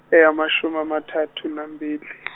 engamashumi amathathu nambili .